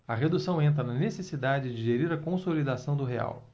a redução entra na necessidade de gerir a consolidação do real